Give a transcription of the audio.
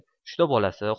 uchta bolasi